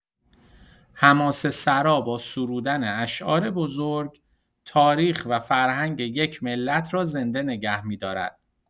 حماسه‌سرا با سرودن اشعار بزرگ، تاریخ و فرهنگ یک ملت را زنده نگه می‌دارد.